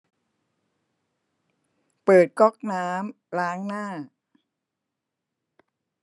เปิดก๊อกน้ำล้างหน้า